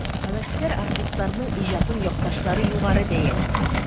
Һәвәскәр артистларның иҗатын якташлары югары бәяли.